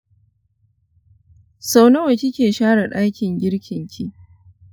sau nawa kike share dakin garikin ki?